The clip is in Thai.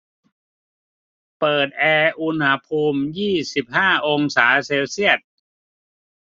เปิดแอร์อุณหภูมิยี่สิบห้าองศาเซลเซียส